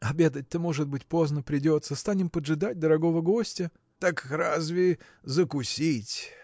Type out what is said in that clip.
Обедать-то, может быть, поздно придется станем поджидать дорогого гостя. – Так разве, закусить.